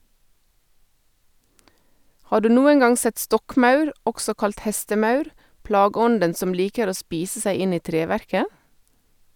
Har du noen gang sett stokkmaur, også kalt hestemaur, plageånden som liker å spise seg inn i treverket?